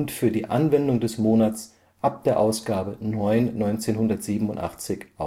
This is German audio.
für die „ Anwendung des Monats “(ab Ausgabe 9/1987